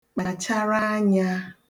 kpàchara anyā